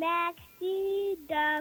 Segɛnin yo